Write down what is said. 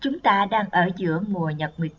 chúng ta đang ở giữa mùa nhật nguyệt thực